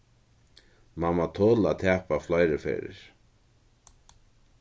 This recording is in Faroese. mann má tola at tapa fleiri ferðir